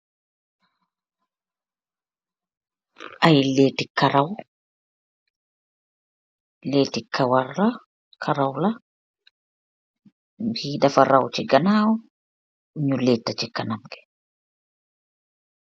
Ayyi lehti karawwu bunj rawwu ce nganow nyew lehti ce kanambi.